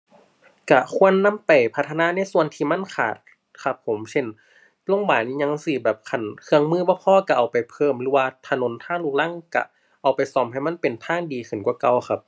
ก็ควรนำไปพัฒนาในส่วนที่มันขาดครับผม เช่น โรงบาลอิหยังจั่งซี้ แบบคันเครื่องมื่อบ่พอก็เอาไปเพิ่มหรือว่าถนนทางลูกรังก็เอาไปซ่อมให้มันเป็นทางดีขึ้นกว่าเก่าครับ